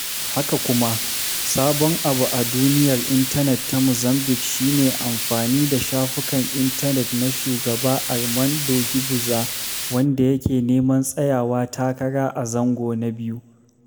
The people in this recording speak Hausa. Haka kuma, sabon abu a duniyar intanet ta Muzambic shi ne amfani da shafukan intanet na Shugaba Armando Guebuza, wanda yake neman tsayawa takara a zango na biyu.